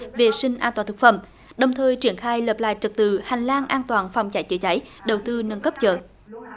vệ sinh an toàn thực phẩm đồng thời triển khai lập lại trật tự hành lang an toàn phòng cháy chữa cháy đầu tư nâng cấp chợ